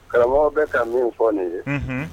Karamɔgɔ bɛ ka min fɔ nin ye, unhun